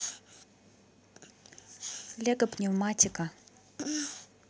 лего пневматика